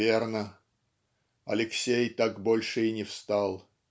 "Верно: Алексей так больше и не встал.